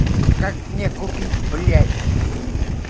как мне купить блядь